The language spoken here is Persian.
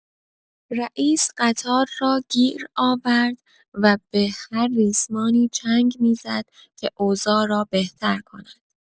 رئیس قطار را گیر آورد و به هر ریسمانی چنگ می‌زد که اوضاع را بهتر کند.